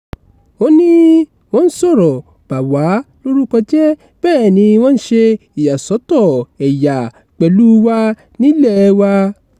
Ó ní "wọ́n ń sọ̀rọ̀ bà wá lórúkọ jẹ́, bẹ́ẹ̀ ni wọ́n ń ṣe ìyàsọ́tọ̀ ẹ̀yà pẹ̀lúu wa ní ilẹ̀ẹ wa".